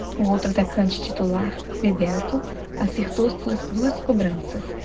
o outro atacante titular bebeto acertou suas duas cobranças